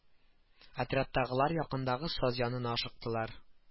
Отрядтагылар якындагы саз янына ашыктылар